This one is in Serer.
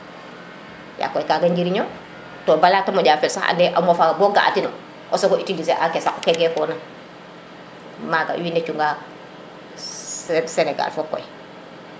ya koy kaga njiriño te bala tre moƴa fel sax o mofa bo ga a tino o sogo utiliser a ke saqo ke gekona maga wiin we cunga senegal fop koy